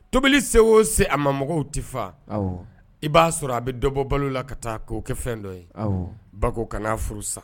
Tobili se o se a ma mɔgɔw tɛ fa i b'a sɔrɔ a bɛ dɔbɔ balo la ka taa ko kɛ fɛn dɔ ye ba kana n'a furu san